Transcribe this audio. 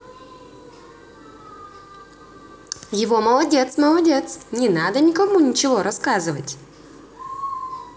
его молодец молодец не надо никому ничего рассказывать